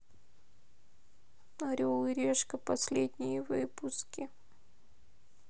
орел и решка последние выпуски